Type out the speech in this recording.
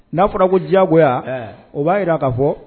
N'a fɔra ko diyago o b'a jira ka fɔ